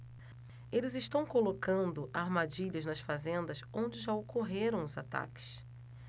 eles estão colocando armadilhas nas fazendas onde já ocorreram os ataques